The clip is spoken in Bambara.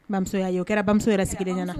Ba o kɛramuso yɛrɛ sigilen ɲɛna